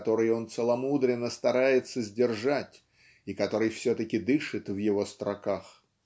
который он целомудренно старается сдержать и который все-таки дышит в его строках.